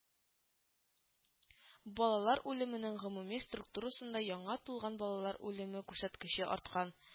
Балалар үлеменең гомуми структурасында яңа туган балалар үлеме күрсәткече арткан